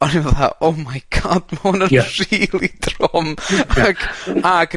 ...o'n i fatha oh my God ma' hwn yn... Ie. ... rili drwm ag ag